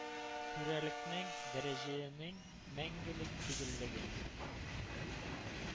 Түрәлекнең, дәрәҗәнең мәңгелек түгеллеген